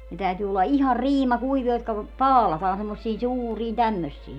ne täytyy olla ihan - riimakuivia jotka paalataan semmoisiin suuriin tämmöisiin